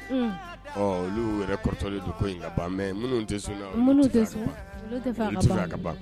Olu yɛrɛ kɔrɔtɔlen ko minnu tɛ ka